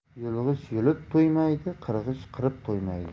yulg'ich yulib to'ymaydi qirg'ich qirib qo'ymaydi